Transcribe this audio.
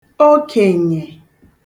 okènyè